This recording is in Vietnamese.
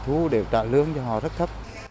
thu để trả lương cho họ rất thấp